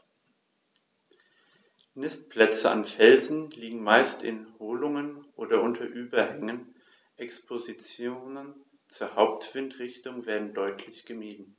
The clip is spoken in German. Nistplätze an Felsen liegen meist in Höhlungen oder unter Überhängen, Expositionen zur Hauptwindrichtung werden deutlich gemieden.